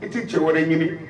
I tɛ cɛ wɛrɛ ɲini